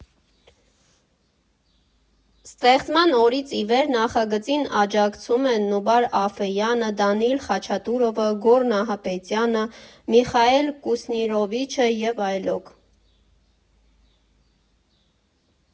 Ստեղծման օրից ի վեր նախագծին աջակցում են Նուբար Աֆեյանը, Դանիիլ Խաչատուրովը, Գոռ Նահապետյանը, Միխայիլ Կուսնիրովիչը և այլոք։